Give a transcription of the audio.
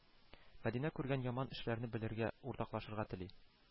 Мәдинә күргән яман эшләрне белергә, уртаклашырга тели